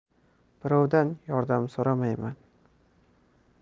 birovdan yordam so'ramayman